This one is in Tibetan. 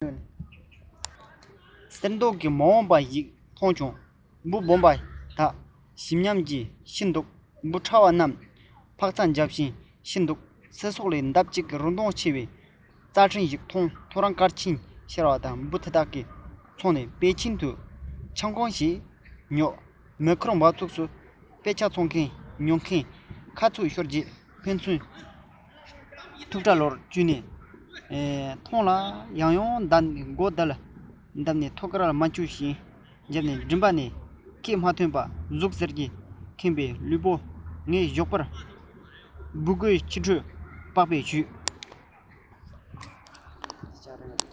གསེར མདོག གི མ འོངས པ ཞིག མཐོང བྱུང འབུ སྦོམ པ དག ཞིམ ཉམས ཀྱིས ཤི འདུག འབུ ཕྲ བ རྣམས འཕག འཚག རྒྱག གིན ཤི འདུག ཚེ སྲོག ལས ལྡབ ཀྱིས རིན ཐང ཆེ བའི རྩྭ ཕྲན ཞིག ཐོ རངས སྐར ཆེན ཤར བ འབུ འདི དག བཙོངས ནས པེ ཅིན དུ ཆང ཁང ཞིག ཉོ མེ འཁོར འབབ ཚིགས སུ དཔེ ཚོང ཁང ཞིག ཉོ དགོས ཁ རྩོད ཤོར རྗེས ཕན ཚུན ཐུག སྐྲ ལོར འཇུས ནས ཐང ལ ཡང ཡང བརྡབས མགོ ལ རྡོག ཐོ སྐར མ ཤར བ ཞིག བརྒྱབ མགྲིན པ ནས སྐད མ ཐོན ལ ཟུག གཟེར གྱིས ཁེངས པའི ལུས པོ ངས ཞོགས པར འབུ བརྐོས ཕྱི དྲོར པགས པ བཤུས